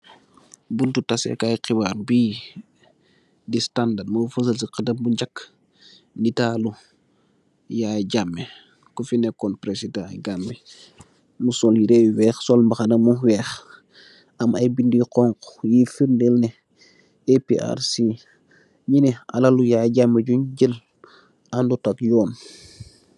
Bunti taseh kai xibaar bi di standard mu fesal si xetam bu ngeh netalu Yaya Jammeh kofi nekun president Gambia mu sol yereh yu weex sol mbahana yu weex am ay benda yu xonxu yui freden nee APRC nyu neh alaal li Yaya Jammeh yun jeel andut tak yuun.